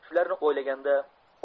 shularni o'ylaganda